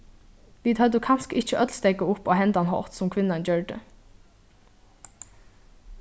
vit høvdu kanska ikki øll steðgað upp á hendan hátt sum kvinnan gjørdi